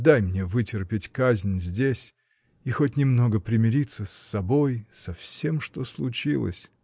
Дай мне вытерпеть казнь здесь — и хоть немного примириться с собой, со всем, что случилось.